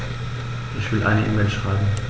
Ich will eine E-Mail schreiben.